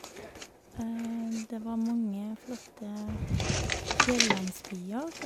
Det var mange flotte fjellandsbyer.